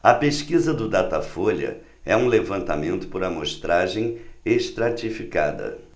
a pesquisa do datafolha é um levantamento por amostragem estratificada